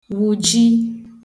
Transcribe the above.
wùji